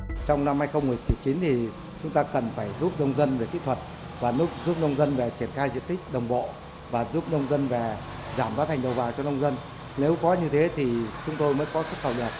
trong năm hai không mười chín thì chúng ta cần phải giúp nông dân về kỹ thuật và lúc giúp nông dân và triển khai diện tích đồng bộ và giúp nông dân về giảm giá thành đầu vào cho nông dân nếu có như thế thì chúng tôi mới có sức hội nhập